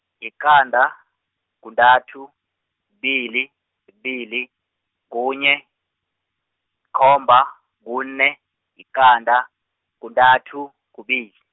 yiqanda, kuntathu, kubili, kubili, kunye, yikomba, kune, yiqanda, kuntathu, kubili.